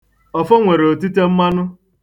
Ọfọ nwere otite mmanụ